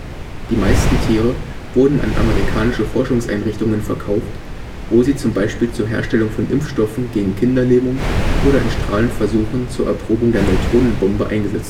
meisten Tiere wurden an amerikanische Forschungseinrichtungen verkauft, wo sie z. B. zur Herstellung von Impfstoffen gegen Kinderlähmung oder in Strahlenversuchen zur Erprobung der Neutronenbombe eingesetzt wurden